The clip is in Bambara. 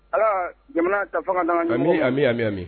Ala ka jamana ta fanga d'an ka, ami, ami ami